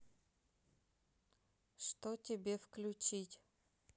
что тебе включить